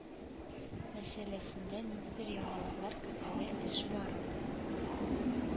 Мәсьәләсендә ниндидер яңалыклар кертергә, эш барып